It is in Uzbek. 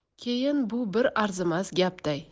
keyin bu bir arzimas gapday